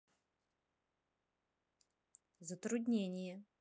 затруднение